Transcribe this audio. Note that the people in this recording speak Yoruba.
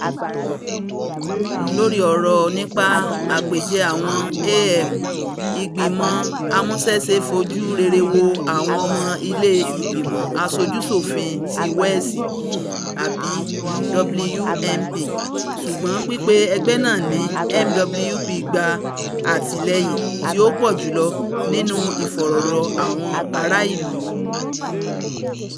Lórí ọrọ nipa àpèjẹ́ àwọn AM, Ìgbìmọ Amúṣẹ́ṣe fojú rere wo àwọn Ọmọ Ilé Ìgbímọ̀ Aṣojú-ṣòfin ti Welsh àbí WMP, ṣùgbọ́n pipe ẹgbẹ na ní MWP gba àtìlẹ́yìn tí ó pọ́ jùlọ nínú ìfọ̀rọ̀lọ àwọn ará ìlú.